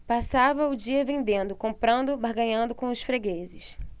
passava o dia vendendo comprando barganhando com os fregueses